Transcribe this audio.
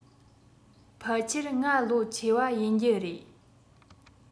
ཕལ ཆེར ང ལོ ཆེ བ ཡིན རྒྱུ རེད